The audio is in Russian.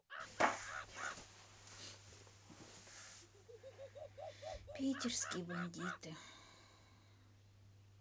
питерские бандиты